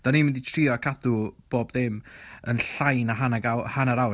Dan ni'n mynd i trio cadw bob dim yn llai na hanneg- aw- hanner awr.